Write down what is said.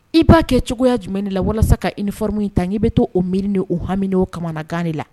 I b'a kɛ cogoyaya jumɛn la walasa ka i ni foro in ta n ɲɛi bɛ to' o miiri ni o hami o kamana gane la